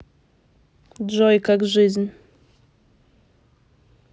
джой как жизнь